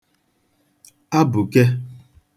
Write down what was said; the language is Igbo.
abụ̀ke